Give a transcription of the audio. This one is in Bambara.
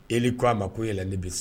E k ko a ma ko e yɛlɛ ne bɛ